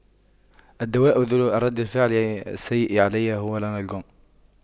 الدواء ذو الرد الفعل السيء علي هو الانالكون